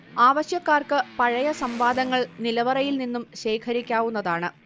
ആവശ്യക്കാർക്ക് പഴയ സംവാദങ്ങൾ നിലവറയിൽ നിന്നും ശേഖരിക്കാവുന്നതാണ്